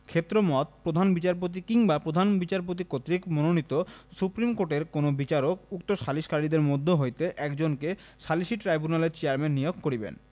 ক্ষেত্রমত প্রধান বিচারপত কিংবা প্রধান বিচারপতি কর্তৃক মানোনীত সুপ্রীম কোর্টের কোন বিচারক উক্ত সালিসকারীদের মধ্য হইতে একজনকে সালিসী ট্রাইব্যুনালের চেযারম্যান নিয়োগ করিবেন